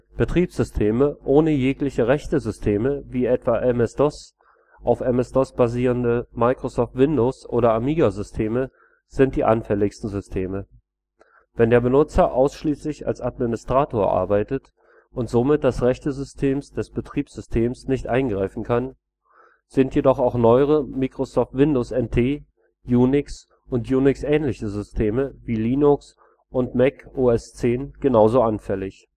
Betriebssysteme ohne jegliche Rechtesysteme wie etwa MS-DOS, auf MS-DOS basierende Microsoft Windows - oder Amiga-Systeme sind die anfälligsten Systeme. Wenn der Benutzer ausschließlich als Administrator arbeitet und somit das Rechtesystem des Betriebssystems nicht eingreifen kann, sind jedoch auch neuere Microsoft Windows NT -, Unix - und Unix-ähnliche Systeme wie Linux und Mac OS X genauso anfällig